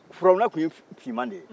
farawuna tun ye finman de ye